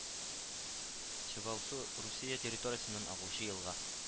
Чебалсу Русия территориясеннән агучы елга